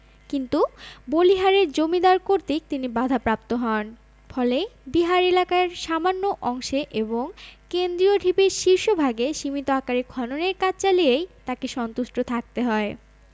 কিন্তু বলিহারের জমিদার কর্তৃক তিনি বাধাপ্রাপ্ত হন ফলে বিহার এলাকার সামান্য অংশে এবং কেন্দ্রীয় ঢিবির শীর্ষভাগে সীমিত আকারে খননের কাজ চালিয়েই তাঁকে সন্তুষ্ট থাকতে হয়